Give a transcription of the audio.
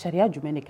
Sariya jumɛn de kɛ